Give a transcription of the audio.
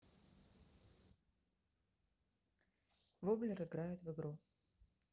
воблер играют в игру